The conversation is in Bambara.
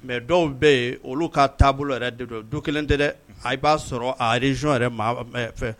Mɛ dɔw bɛ yen olu ka taabolo yɛrɛ de don don kelen tɛ dɛ a b'a sɔrɔ arezɔn yɛrɛ fɛ